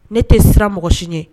Ne tɛ sira mɔgɔ si ɲɛ.